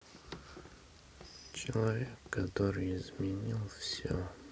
человек который изменил все